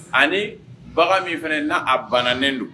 Ani bagan min fana n'a a bananen don